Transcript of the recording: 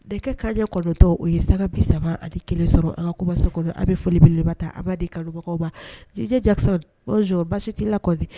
De kɛ kajɛ kɔnɔntɔ o ye saga bi saba a kelen sɔrɔ a kobasa kɔnɔ a bɛ folibeleba ta b'a di kalobagawba jijɛjasasɔ baasi suti lakɔ